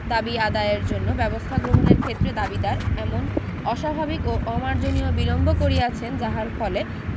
দাবী আদায়ের জন্য ব্যবস্থা গ্রহণের ক্ষেত্রে দাবীদার এমন অস্বাভাবিক ও অমার্জনীয় বিলম্ব করিয়াছেন যাহার ফলে